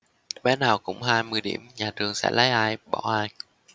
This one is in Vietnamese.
bé nào cũng hai mươi điểm nhà trường sẽ lấy ai bỏ ai